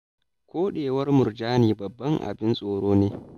Koɗewar murjani babban abin tsoro ne.